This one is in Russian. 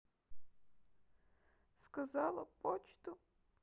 сказала почту